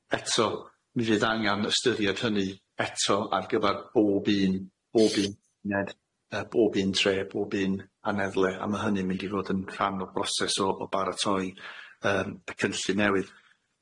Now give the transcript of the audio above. Eto mi fydd angan ystyried hynny eto ar gyfar bob un bob un 'muned yy bob un tre bob un aneddle a ma' hynny'n mynd i fod yn rhan o broses o o baratoi yym y cynllun newydd.